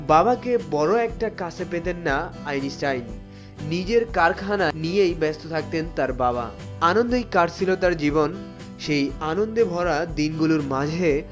বাবাকে বড় একটা কাছে পেতেন না আইনস্টাইন এখানে নিয়েই ব্যস্ত থাকতেন তার বাবা আনন্দেই কাটছিল তার জীবন সেই আনন্দে ভরা দিন গুলোর মাঝে